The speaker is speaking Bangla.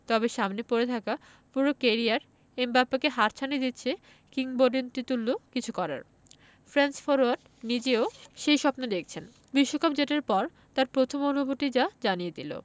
তবে সামনে পড়ে থাকা পুরো ক্যারিয়ার এমবাপ্পেকে হাতছানি দিচ্ছে কিংবদন্তিতুল্য কিছু করার ফ্রেঞ্চ ফরোয়ার্ড নিজেও সেই স্বপ্নই দেখছেন বিশ্বকাপ জেতার পর তাঁর প্রথম অনুভূতিই যা জানিয়ে দিল